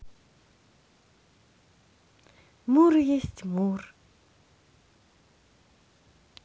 мур есть мур